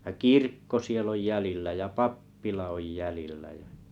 ja kirkko siellä on jäljellä ja pappila on jäljellä ja